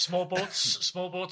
Small boats, small boats...